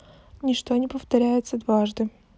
ничто не повторяется дважды